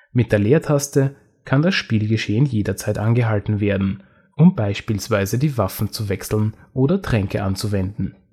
Mit der Leertaste kann das Spielgeschehen jederzeit angehalten werden, um bspw. die Waffen zu wechseln oder Tränke anzuwenden